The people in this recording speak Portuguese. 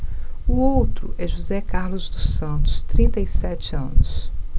o outro é josé carlos dos santos trinta e sete anos